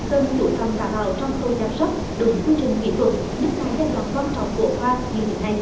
cần chú trọng đảm bảo trong khâu chăm sóc đúng quy trình kỹ thuật nhất là giai đoạn quan trọng của khoa như hiện nay